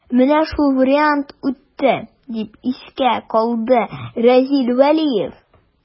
Менә шул вариант үтте, дип искә алды Разил Вәлиев.